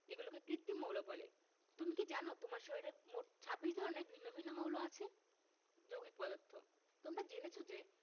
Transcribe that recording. এগুলোকে কৃত্রিম মৌল বলে তুমি কি জানো তোমার শরীরে মোট ২৬ ধরনের ভিন্ন ভিন্ন মৌল আছে যৌগিক পদার্থ তোমরা জেনেছ যে